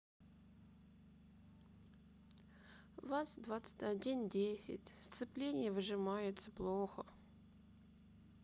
ваз двадцать один десять сцепление выжимается плохо